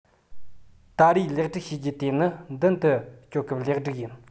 ད རེས ལེགས སྒྲིག བྱ རྒྱུ དེ ནི མདུན དུ སྐྱོད སྐབས ལེགས སྒྲིག ཡིན